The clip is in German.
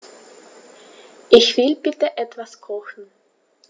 Ich will bitte etwas kochen.